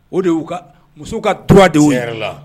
O de musow kaura de yɛrɛ la